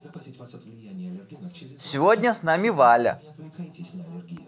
сегодня с нами валя